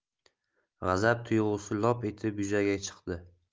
g'azab tuyg'usi lop etib yuzaga chiqdi